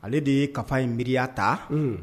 Ale de ye kafa in miiriya ta